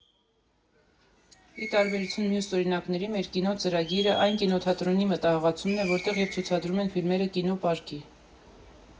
Ի տարբերություն մյուս օրինակների, ՄերԿինո ծրագիրը այն կինոթատրոնի մտահաղացումն է, որտեղ և ցուցադրվում են ֆիլմերը՝ ԿինոՊարկի։